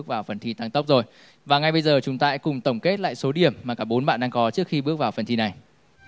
vào phần thi tăng tốc rồi và ngay bây giờ chúng ta hãy cùng tổng kết lại số điểm mà cả bốn bạn đang có trước khi bước vào phần thi này